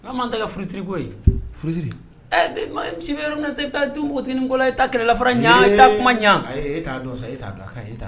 An' ta ka furusiri ko furusiri misi i bɛ taa to npogotinin kɔlɔ i ta kɛlɛ lara ɲɛ ta kuma ɲɛ e t'a don sa e'a dɔn ta